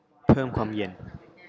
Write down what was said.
เพิ่มความเย็น